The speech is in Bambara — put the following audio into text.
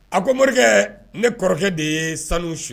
A ko Morikɛ ne kɔrɔkɛ de ye sanu su